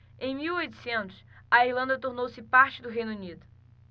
em mil e oitocentos a irlanda tornou-se parte do reino unido